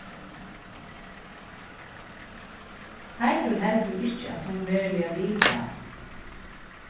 teitur heldur ikki at hon veruliga vil tað